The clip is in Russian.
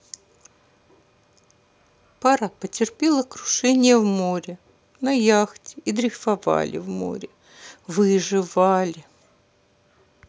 пара потерпела крушение в море на яхте и дрейфовали в море выживали